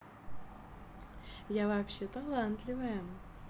я вообще талантливая